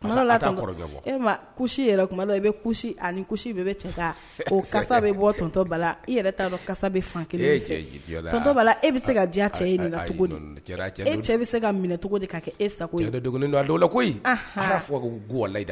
Si i bɛ karisa bɔtɔ i yɛrɛ fan kelen e bɛ se ka cɛ cɛ bɛ se ka minɛ cogo de ka kɛ e sago don a la kowalayi